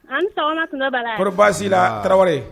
A' ni sɔgɔma tonton Bala! Kɔri baasi t'i la? Tarawele